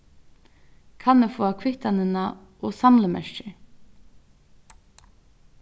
kann eg fáa kvittanina og samlimerkir